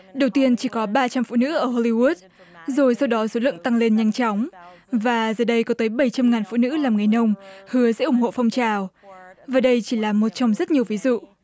đầu tiên chỉ có ba trăm phụ nữ ở hô li cút rồi sau đó số lượng tăng lên nhanh chóng và giờ đây có tới bảy trăm ngàn phụ nữ làm nghề nông hứa sẽ ủng hộ phong trào và đây chỉ là một trong rất nhiều ví dụ